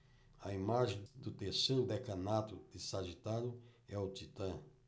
a imagem do terceiro decanato de sagitário é o titã